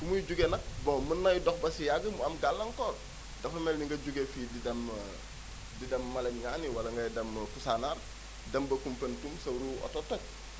fi muy jógee nag bon mën nay dox ba si yàgg mu am gàllankoor dafa mel ni nga jógee fi di dem di dem Malem Niani wala ngay dem Kusanaar dem ba Kumpentoum sa roue oto toj